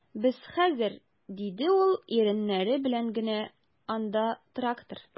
Без хәзер, - диде ул иреннәре белән генә, - анда трактор...